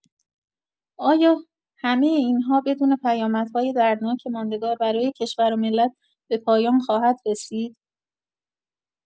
آیا همه این‌ها بدون پیامدهای دردناک ماندگار برای کشور و ملت، به پایان خواهد رسید؟